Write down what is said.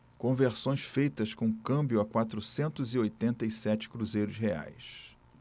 conversões feitas com câmbio a quatrocentos e oitenta e sete cruzeiros reais